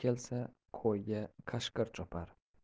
qutsiz qo'noq kelsa qo'yga qashqir chopar